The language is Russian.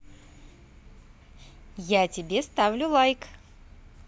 я тебе ставлю лайк